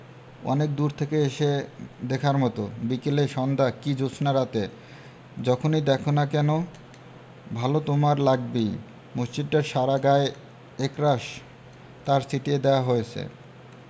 অনেক দূর থেকে এসে দেখার মতো বিকেলে সন্ধায় কি জ্যোৎস্নারাতে যখনি দ্যাখো না কেন ভালো তোমার লাগবেই মসজিদটার সারা গায়ে একরাশ তার ছিটিয়ে দেয়া হয়েছে